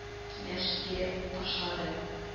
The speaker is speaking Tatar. Киңәш биреп ташлады: